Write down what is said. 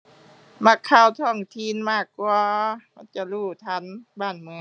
มักข่าวท้องถิ่นมากกว่า มันจะรู้ทันบ้านเมือง